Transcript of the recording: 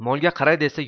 molga qaray desa